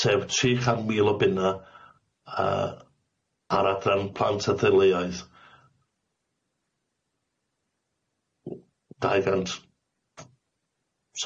sef tri chan mil o bunna yy ar adran plant a ddeuloedd w- dau gant